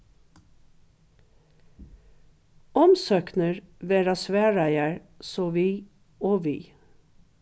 umsóknir verða svaraðar so við og við